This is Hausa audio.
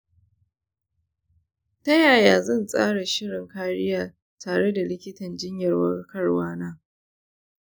ta yaya zan tsara shirin kariya tare da likitan jinyar warkarwa na?